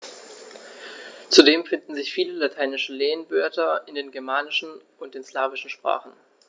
Zudem finden sich viele lateinische Lehnwörter in den germanischen und den slawischen Sprachen.